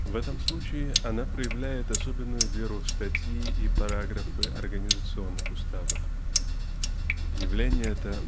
в этом случае она проявляет особенную веру в статьи и параграфы организационных уставов. Явление это